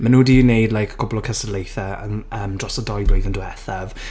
Maen nhw 'di wneud like cwpl o cystadleuthau yn yym dros y dau blwyddyn diwethaf.